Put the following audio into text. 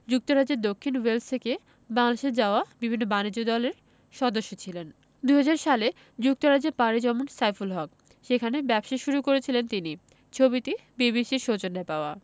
যুক্তরাজ্যের দক্ষিণ ওয়েলস থেকে বাংলাদেশে যাওয়া বিভিন্ন বাণিজ্য দলের সদস্য ছিলেন ২০০০ সালে যুক্তরাজ্যে পাড়ি জমান সাইফুল হক সেখানে ব্যবসা শুরু করেছিলেন তিনি ছবিটি বিবিসির সৌজন্যে পাওয়া